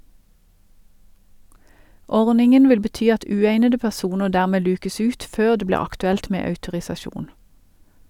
Ordningen vil bety at uegnede personer dermed lukes ut før det blir aktuelt med autorisasjon.